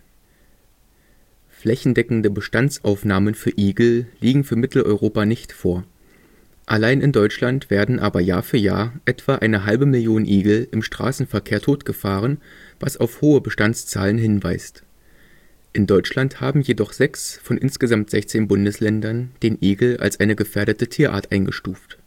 Flächendeckende Bestandsaufnahmen für Igel liegen für Mitteleuropa nicht vor. Allein in Deutschland werden aber Jahr für Jahr etwa eine halbe Million Igel im Straßenverkehr totgefahren, was auf hohe Bestandszahlen hinweist. In Deutschland haben jedoch sechs von insgesamt 16 Bundesländern den Igel als eine gefährdete Tierart eingestuft